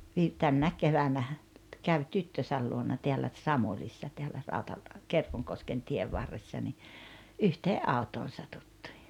- tänä keväänä kävi tyttönsä luona täällä Samulissa täällä - Kerkonkosken tien varressa niin yhteen autoon satuttiin